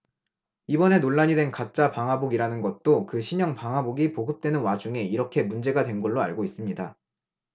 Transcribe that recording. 이번에 논란이 된 가짜 방화복이라는 것도 그 신형 방화복이 보급되는 와중에 이렇게 문제가 된 걸로 알고 있습니다